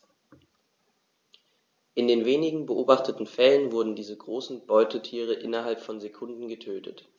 In den wenigen beobachteten Fällen wurden diese großen Beutetiere innerhalb von Sekunden getötet.